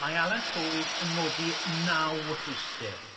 mae Alan Llwyd yn nodi naw rhwystr.